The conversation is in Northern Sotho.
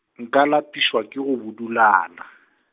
nka lapišwa ke go budulala.